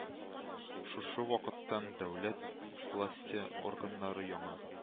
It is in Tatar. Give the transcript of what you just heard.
Шушы вакыттан дәүләт власте органнары яңа